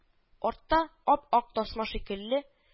Артта, ап-ак тасма шикелле